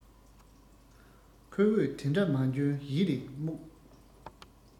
ཁོ བོས དེ འདྲ མ འཇོན ཡིད རེ རྨུགས